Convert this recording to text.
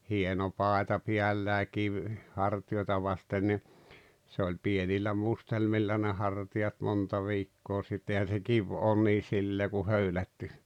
hieno paita päällään kivi hartioita vasten niin se oli pienillä mustelmilla ne hartiat monta viikkoa sitä eihän se kivi ole niin sillä lailla kuin höylätty